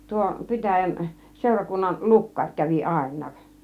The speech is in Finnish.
tuo pitäjän seurakunnan lukkari kävi ainakin